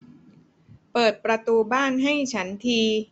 เปิดประตูบ้านให้ฉันที